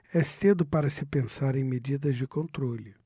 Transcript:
é cedo para se pensar em medidas de controle